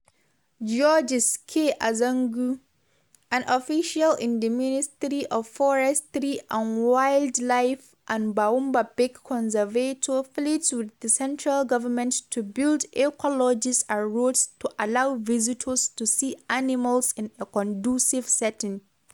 Georges K. Azangue, an official in the Ministry of Forestry and Wildlife and Boumba Bek Conservator pleads with the central government to “build eco-lodges and roads to allow visitors to see animals in a conducive setting.”